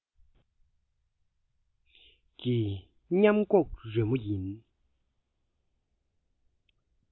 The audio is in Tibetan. ཀྱི མཉམ སྒྲོག རོལ མོ ཡིན ལ